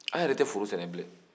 an yɛrɛ tɛ fɔrɔ sɛnɛ bilen